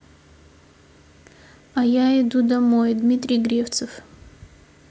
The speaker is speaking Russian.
а я еду домой дмитрий гревцев